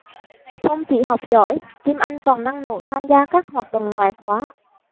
không chỉ học giỏi kim anh còn năng nổ tham gia các hoạt động ngoại khóa